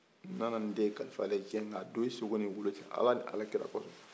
n nana n den kalifa i la o ye tiɲɛ ye nka dɔn i sogo ni golo cɛ ala ni alakira ko sɔn